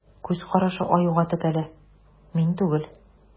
Күз карашы Аюга текәлә: мин түгел.